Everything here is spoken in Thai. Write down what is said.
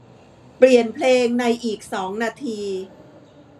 เปลี่ยนเพลงในอีกสองนาที